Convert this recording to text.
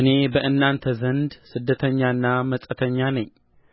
እኔ በእናንተ ዘንድ ስደተኛና መጻተኛ ነኝ